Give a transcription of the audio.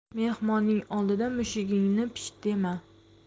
mehmonning oldida mushugingni pisht dema